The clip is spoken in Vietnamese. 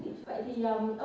thị vậy thì ông